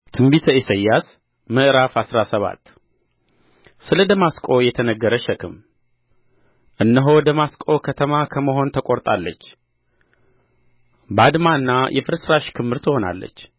ትንቢተ ኢሳይያስ ምዕራፍ አስራ ሰባት ስለ ደማስቆ የተነገረ ሸክም እነሆ ደማስቆ ከተማ ከመሆን ተቋርጣለች ባድማና የፍርስራሽ ክምር ትሆናለች